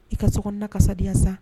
I ka so na kasadenyaya san